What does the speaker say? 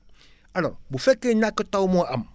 alors bu fekkee ñàkk taw moo am